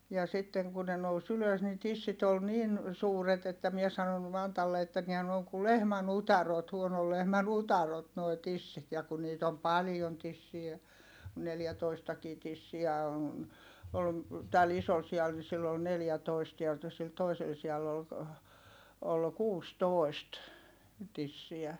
ja sitten kun ne nousi ylös niin tissit oli niin suuret että minä sanoin Mantalle että niinhän ne on kun lehmän utareet huonon lehmän utareet nuo tissit ja kun niitä on paljon tissiä kun neljätoistakin tissiä on oli tällä isolla sialla niin sillä oli neljätoista täältä sillä toisella sialla oli oli kuusitoista tissiä